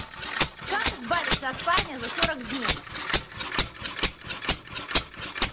как избавиться от парня за сорок дней